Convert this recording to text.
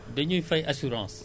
loolu nga wax lu am solo la